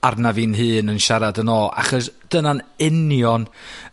arnaf fi'n hun yn siarad yn ôl. Achos dyna'n union...